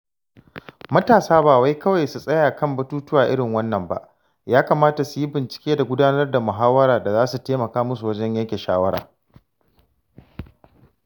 Matasa ba wai kawai su tsaya kan batutuwa irin wannan ba, ya kamata su yi bincike da gudanar da muhawara da za su taimaka musu wajen yanke shawara.